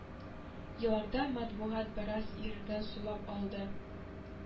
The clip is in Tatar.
Елларда матбугат бераз иреген сулап алды